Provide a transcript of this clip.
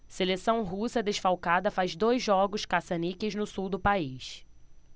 seleção russa desfalcada faz dois jogos caça-níqueis no sul do país